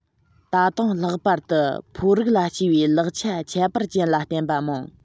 ད དུང ལྷག པར དུ ཕོ རིགས ལ སྐྱེས པའི ལག ཆ ཁྱད པར ཅན ལ བརྟེན པ མང